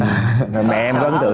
rồi mẹ em có ấn tượng